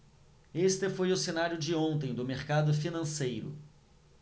este foi o cenário de ontem do mercado financeiro